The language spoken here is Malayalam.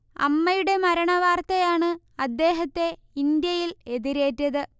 അമ്മയുടെ മരണവാർത്തയാണ് അദ്ദേഹത്തെ ഇന്ത്യയിൽ എതിരേറ്റത്